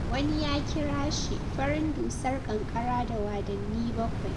Wani ya kira shi "Farin Dusar Kankara da Wadanni Bakwai.""